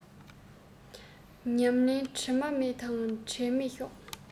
ཉམས ལེན དྲི མ མེད དང འབྲལ མེད ཤོག